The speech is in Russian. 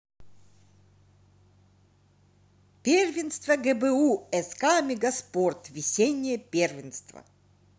первенство гбу ск мегаспорт весеннее первенство